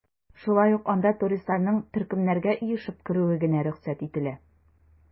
Шулай ук анда туристларның төркемнәргә оешып керүе генә рөхсәт ителә.